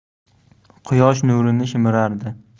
quyosh nurini shimirardi